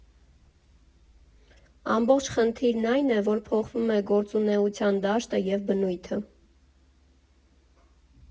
«Ամբողջ խնդիրն այն է, որ փոխվում է գործունեության դաշտը և բնույթը։